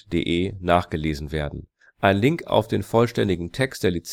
zwischenzeitlich